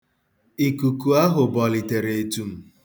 Ikuku ahụ bọlitere etum.